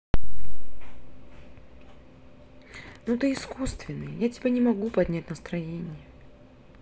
но ты искусственный я тебя не могу поднять настроение